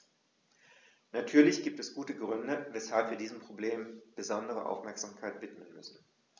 Natürlich gibt es gute Gründe, weshalb wir diesem Problem besondere Aufmerksamkeit widmen müssen.